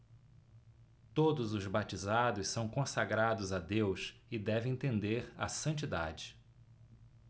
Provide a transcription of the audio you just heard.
todos os batizados são consagrados a deus e devem tender à santidade